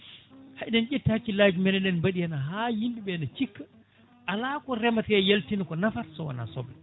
ha eɗen ƴetti hakkillaji meɗen eɗen mbaɗi hen ha yimɓeɓe ne cikka ala ko remeta syaltina ko nafata sowona soble